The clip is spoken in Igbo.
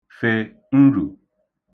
fè nrù